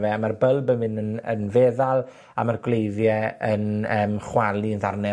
fe a ma'r bylb yn myn' yn yn feddal, a ma'r gwleiddie, yn yym chwalu'n ddarne